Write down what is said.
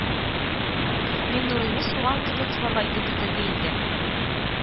Миңнурыйны суган кебек саргайтып бетерде инде